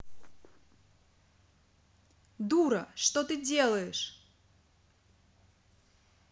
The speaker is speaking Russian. дура что ты делаешь